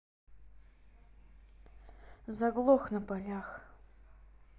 заглох на полях